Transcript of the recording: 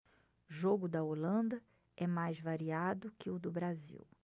jogo da holanda é mais variado que o do brasil